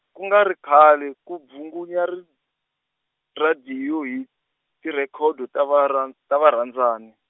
ku nga ri khale ku bvungunya ri, radiyo hi, tirhekodo tavaran-, ta varhandzani.